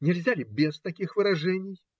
- Нельзя ли без таких выражений!